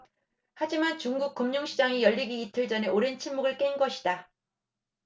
하지만 중국 금융시장이 열리기 이틀 전에 오랜 침묵을 깬 것이다